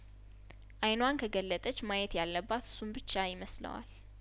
አይኗን ከገለጠች ማየት ያለባት እሱን ብቻ ይመስለዋል